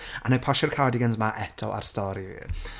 A wna i postio'r cardigans ma eto ar stori